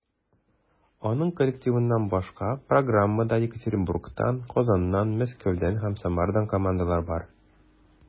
Аның коллективыннан башка, программада Екатеринбургтан, Казаннан, Мәскәүдән һәм Самарадан командалар бар.